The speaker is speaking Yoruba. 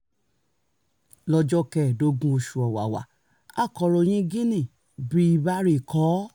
Lọ́jọ́ 15 oṣù Ọ̀wàrà, akọ̀ròyin Guinea Bhiye Bary kọ: